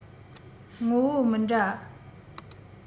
ངོ བོ མི འདྲ